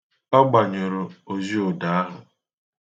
Ọ gbanyụrụ oziụda ahụ.